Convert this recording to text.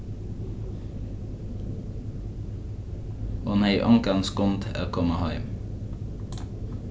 hon hevði ongan skund at koma heim